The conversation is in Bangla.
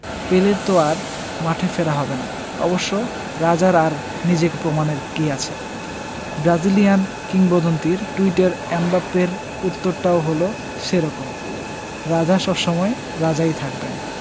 পেলের তো আর মাঠে ফেরা হবে না অবশ্য রাজার আর নিজেকে প্রমাণের কী আছে ব্রাজিলিয়ান কিংবদন্তির টুইটের এমবাপ্পের উত্তরটাও হলো সে রকম রাজা সব সময় রাজাই থাকবেন